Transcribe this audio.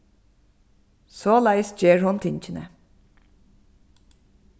soleiðis ger hon tingini